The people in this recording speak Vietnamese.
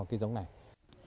cái giống này